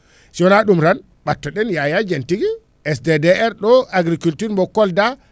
sowona ɗum tan ɓattoɗen Yaya Dieng tigui SDDR ɗo agriculture mo Kolda